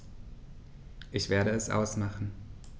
Ich werde es ausmachen